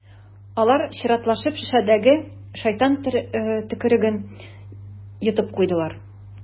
Алар чиратлашып шешәдәге «шайтан төкереге»н йотып куйдылар.